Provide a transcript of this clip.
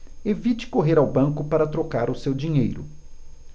evite correr ao banco para trocar o seu dinheiro